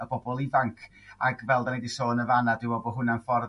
y bobol ifanc ag fel 'da ni 'di sôn yn fana dwi me'l bo' hwna'n ffor'